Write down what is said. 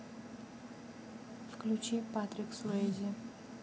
включи патрик суэйзи